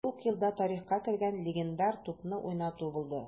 Шул ук елда тарихка кергән легендар тупны уйнату булды: